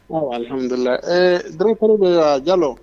Dkɔrɔ bɛ jalo